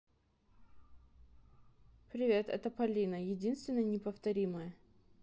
привет это полина единственное и неповторимое